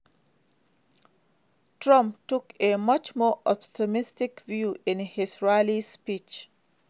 Trump took a much more optimistic view in his rally speech.